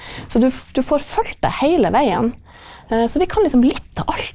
så du du får fulgt det heile veien, så vi kan liksom litt av alt.